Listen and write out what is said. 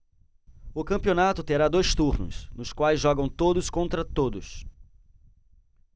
o campeonato terá dois turnos nos quais jogam todos contra todos